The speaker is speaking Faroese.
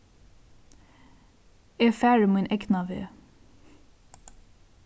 eg fari mín egna veg